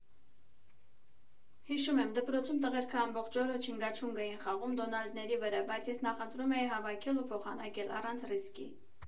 Հիշում եմ՝ դպրոցում տղերքը ամբողջ օրը չինգաչունգ էին խաղում «դոնալդների» վրա, բայց ես նախընտրում էի հավաքել ու փոխանակել, առանց ռիսկի։